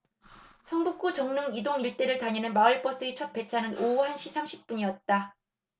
성북구 정릉 이 동 일대를 다니는 마을버스의 첫 배차는 오후 한 시 삼십 분이었다